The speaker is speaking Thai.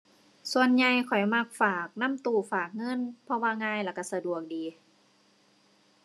ส่วนใหญ่ข้อยมักฝากนำตู้ฝากเงินเพราะว่าง่ายแล้วก็สะดวกดี